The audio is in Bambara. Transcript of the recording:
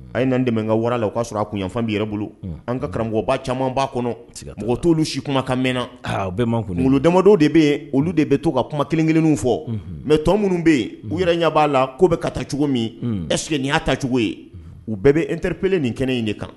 A ye nan dɛmɛ ka wara la o'a sɔrɔ aa kun yanfan' yɛrɛ bolo an ka karamɔgɔba caman' kɔnɔ mɔgɔ toolu si kuma ka mɛnna ka u bɛ magolo damamodɔ de bɛ yen olu de bɛ to ka kuma kelen-kelenw fɔ mɛ tɔ minnu bɛ yen uu yɛrɛ ɲɛ b'a la koo bɛ ka taacogo min ɛsg nin y'a tacogo ye u bɛɛ bɛ e teripele nin kɛnɛ in de kan